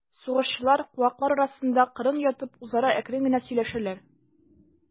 Сугышчылар, куаклар арасында кырын ятып, үзара әкрен генә сөйләшәләр.